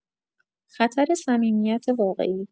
خطر صمیمیت واقعی